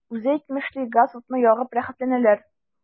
Үзе әйтмешли, газ-утны ягып “рәхәтләнәләр”.